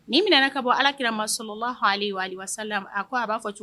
Nin minɛna ka bɔ Alakira ma salalahu alehi wasalamu a ko a b'a fɔ cogo